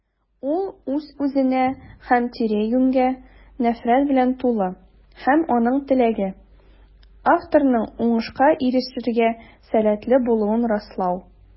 Ул үз-үзенә һәм тирә-юньгә нәфрәт белән тулы - һәм аның теләге: авторның уңышка ирешергә сәләтле булуын раслау.